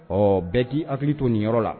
Ɔ bɛɛ k'i hakili to ninyɔrɔ la